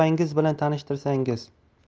opanggiz bilan tanishtirsangiz